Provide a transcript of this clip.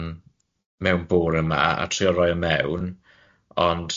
mewn bore 'ma a trial roi o mewn ond